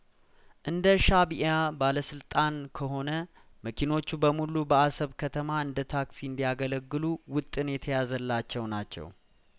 እንደ ሻእቢያ ባለስልጣን ከሆነ መኪ ኖቹ በሙሉ በአሰብ ከተማ እንደ ታክሲ እንዲያገለግሉ ውጥን የተያዘላቸው ናቸው